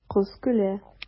Кыз көлә.